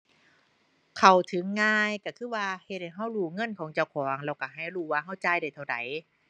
เข้าถึงง่าย ก็คือว่าเฮ็ดให้ก็รู้เงินของเจ้าของ แล้วก็ให้รู้ว่าก็จ่ายได้เท่าใด